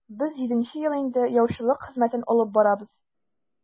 Без җиденче ел инде яучылык хезмәтен алып барабыз.